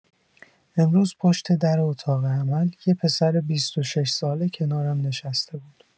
امروز پشت در اتاق عمل یه پسر ۲۶ ساله کنارم نشسته بود.